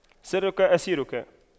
سرك أسيرك